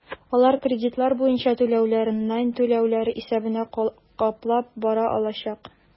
Алар кредитлар буенча түләүләрен найм түләүләре исәбенә каплап бара алачак.